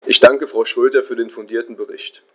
Ich danke Frau Schroedter für den fundierten Bericht.